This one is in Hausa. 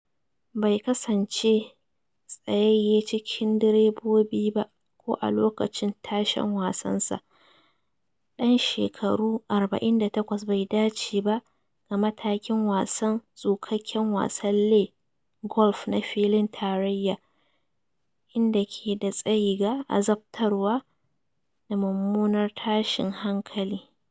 Bai kasance tsayayye cikin deribobi ba ko a lokacin tashen wasan sa, dan shekaru 48 bai dace ba ga matakin wasan tsukakken wasan Le Golf na filin Tarayya, inda ke da tsayi ga azabtarwa da mummunar tashin hankali.